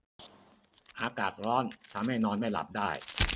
อากาศร้อนทำให้นอนไม่หลับได้